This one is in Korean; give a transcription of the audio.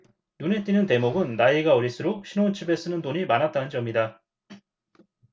눈에 띄는 대목은 나이가 어릴수록 신혼집에 쓰는 돈이 많았다는 점이다